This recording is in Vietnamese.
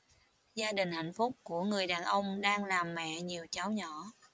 gia đình hạnh phúc của người đàn ông đang làm mẹ nhiều cháu nhỏ